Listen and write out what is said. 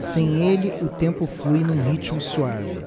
sem ele o tempo flui num ritmo suave